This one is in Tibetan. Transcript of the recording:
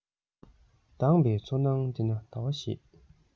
དྭངས པའི མཚོ ནང འདི ན ཟླ བ ཞེས